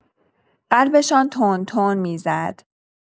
قلبشان تند تند می‌زد.